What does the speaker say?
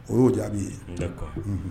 O y'o di bɛ ye